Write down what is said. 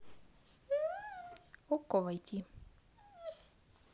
окко войти